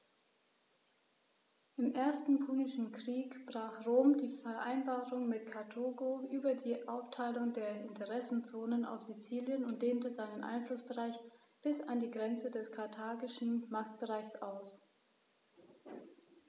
Im Ersten Punischen Krieg brach Rom die Vereinbarung mit Karthago über die Aufteilung der Interessenzonen auf Sizilien und dehnte seinen Einflussbereich bis an die Grenze des karthagischen Machtbereichs aus.